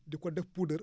di ko def puudar